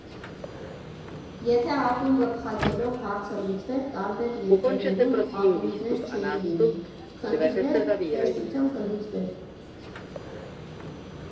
Եթե ակումբ փակելով հարցը լուծվեր, տարբեր երկրներում ակումբներ չէին լինի, խնդիրն էլ հեշտությամբ կլուծվեր։